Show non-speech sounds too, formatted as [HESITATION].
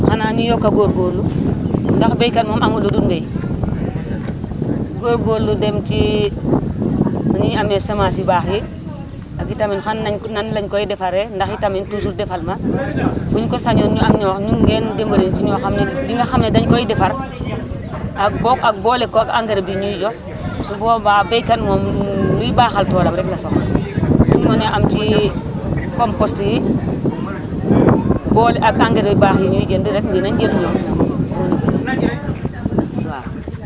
xanaa ñu yokk a góorgóorlu [NOISE] ndax béykat moom amul lu dul mbéy [NOISE] góorgóorlu dem ci [NOISE] ni ñuy amee semences yu baax yi [CROSSTALK] ak i tamit xam nañ nan lañ koy defaree ndax i tamit toujours defal ma [CROSSTALK] bu ñu ko sañoom ñu am ñoo ñun ngeen dimbale ñu ci ñoo xam ne ñi nga xam ne dañ koy defar [CROSSTALK] ak boo ak boole koog engrais biñ ñuy jox [CROSSTALK] su boobaa béykat moom luy baaxal toolam rek la soxla [CROSSTALK] suñ mënee am ci [HESITATION] compost yi [CROSSTALK] boole ak engrais yu baax yi ñuy jënd rek dinañ gis ñoom [CROSSTALK] waaw